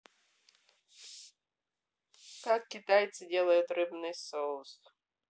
как китайцы делают рыбный соус